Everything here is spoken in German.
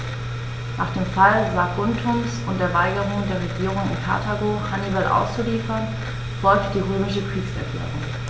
Nach dem Fall Saguntums und der Weigerung der Regierung in Karthago, Hannibal auszuliefern, folgte die römische Kriegserklärung.